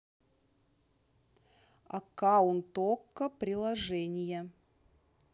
аккаунт okko приложение